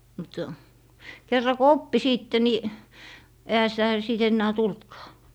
mutta kerran kun oppi sitten niin eihän sitä sitten enää tullutkaan